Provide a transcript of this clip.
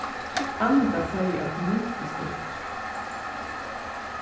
annika segði at hon mintist ikki